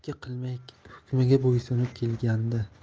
ikki qilmay hukmiga bo'ysunib kelganidi